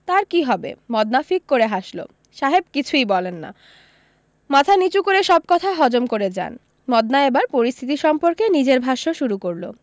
তার কী হবে মদনা ফিক করে হাসলো সাহেব কিছুই বলেন না মাথা নীচু করে সব কথা হজম করে যান মদনা এবার পরিস্থিতি সম্পর্কে নিজের ভাষ্য শুরু করলো